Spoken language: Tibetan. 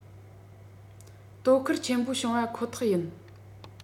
དོ ཁུར ཆེན པོ བྱུང བ ཁོ ཐག ཡིན